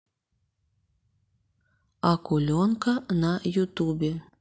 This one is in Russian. акуленка на ютубе